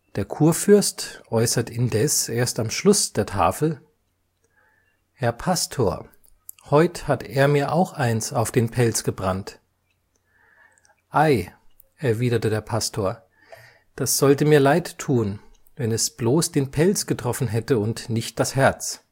Der Churfürst äußert indeß erst am Schluß der Tafel: » Herr Pastor, heut hat Er mir auch Eins auf den Pelz gebrannt. «» Ei, « erwiederte der Pastor, » das sollte mir leid thun, wenn es blos den Pelz getroffen hätte und nicht das Herz